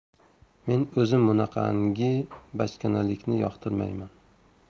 men o'zim bunaqangi bachkanalikni yoqtirmayman